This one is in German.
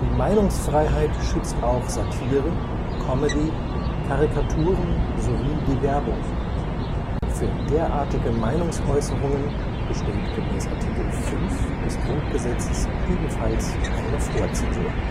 Meinungsfreiheit schützt auch Satire, Comedy, Karikaturen sowie die Werbung. Für derartige Meinungsäußerungen besteht gemäß Art. 5 GG ebenfalls keine Vorzensur